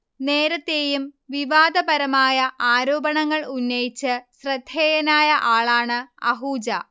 നേരത്തെയും വിവാദപരമായ ആരോപണങ്ങൾ ഉന്നയിച്ച് ശ്രദ്ധേയനായ ആളാണ് അഹൂജ